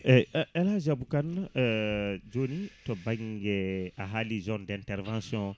eyyi Elage Abou Kane joni to banggue a haali zone d' intervention o